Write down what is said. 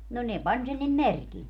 no ne pani sen niin merkille